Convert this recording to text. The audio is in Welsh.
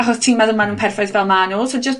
Achos ti'n meddwl ma' nw'n perffaith fel ma' nw. So jyst...